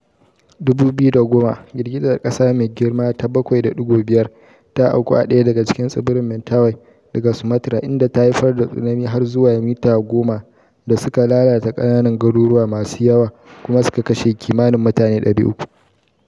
2010: Girgizar kasa mai girma ta 7.5 ta auku a daya daga cikin tsibirin Mentawai, daga Sumatra, inda ta haifar da tsunami har zuwa mita 10 da suka lalata kananan garuruwa masu yawa kuma suka kashe kimanin mutane 300.